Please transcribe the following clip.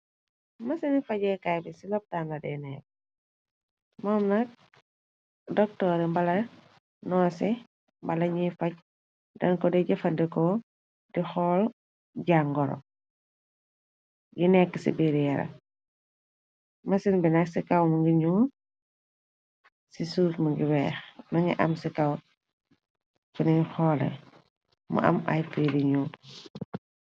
Mësini fajeekaay bi ci lopitanla de neek moom nak doktoore mbala noosi mbala ñuy faj den ko di jëfandekoo di xool ja ngoro yi nekk ci biir yara mësin bi nag ci kaw m ngi ñu ci suuf mu ngi weex ma ngi am ci kaw cunu xoole mu am ay pi ri ñyul.